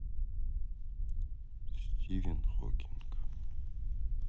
стивен хоккинг